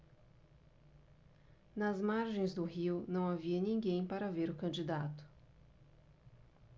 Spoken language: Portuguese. nas margens do rio não havia ninguém para ver o candidato